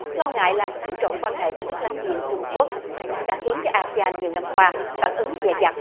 lo ngại làm xáo trộn quan hệ với nước láng giềng trung quốc đã khiến cho a si an nhiều năm qua phản ứng dè dặt